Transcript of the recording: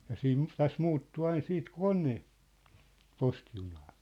ja siinä tässä muuttui aina sitten kone - postijunaa